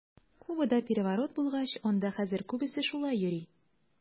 Кубада переворот булгач, анда хәзер күбесе шулай йөри.